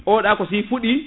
oɗa ko si fuɗi